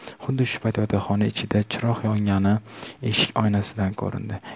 xuddi shu payt yotoqxona ichida chiroq yongani eshik oynasidan ko'rindi